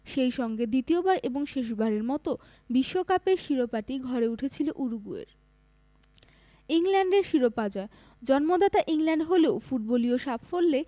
সেই সঙ্গে দ্বিতীয়বার এবং শেষবারের মতো বিশ্বকাপের শিরোপাটি ঘরে উঠেছিল উরুগুয়ের ইংল্যান্ডের শিরোপা জয় জন্মদাতা ইংল্যান্ড হলেও ফুটবলীয় সাফল্যে